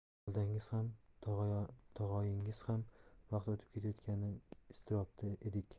volidangiz ham tog'oyingiz ham vaqt o'tib ketayotganidan iztirobda edik